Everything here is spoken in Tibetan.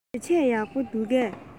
བོད ཆས ཡག པོ འདུག གས